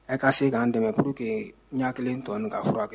Ɛ ka se k' an dɛmɛf que ɲɛ kelen tɔ ka furakɛ